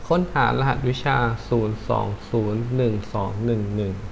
ค้นหารหัสวิชาศูนย์สองศูนย์หนึ่งสองหนึ่งหนึ่ง